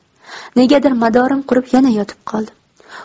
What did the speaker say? negadir madorim qurib yana yotib qoldim